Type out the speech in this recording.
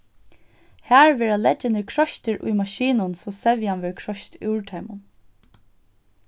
har verða leggirnir kroystir í maskinum so sevjan verður kroyst úr teimum